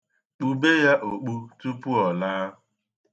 Kpube ya okpu tupu ọ laa.